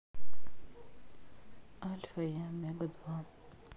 альфа и омега два